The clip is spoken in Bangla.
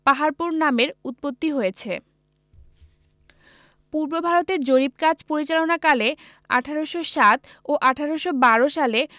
পাহাড়পুর নামের উৎপত্তি হয়েছে পূর্বভারতে জরিপ কাজ পরিচালনাকালে ১৮০৭ ও ১৮১২ সালে